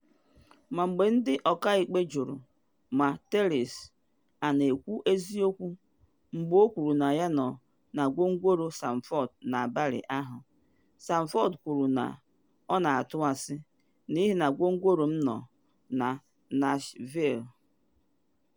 Mgbe ndị ọkaikpe jụrụ ma Tellis a na ekwu eziokwu mgbe o kwuru na ya nọ na gwongworo Sanford n’abalị ahụ, Sanford kwuru na ọ na atụ “asị, n’ihi gwongoro m nọ na Nashville.”